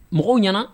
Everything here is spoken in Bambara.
Mɔgɔw ɲɛna